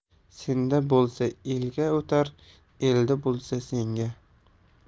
senda bo'lsa elga o'tar elda bo'lsa senga